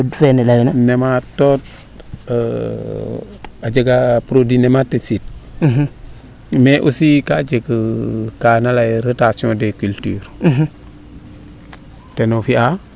nematood a jega produit nematicide mais aussi kaa jeg kaa na leyel rotation des cultures teno fiyaa